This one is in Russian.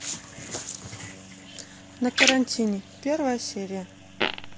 на карантине первая серия